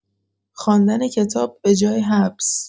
خواندن کتاب به‌جای حبس!